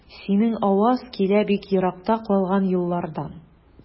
Синең аваз килә бик еракта калган еллардан.